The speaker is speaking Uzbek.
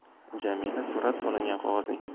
jamila surat solingan qog'ozni